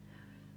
joo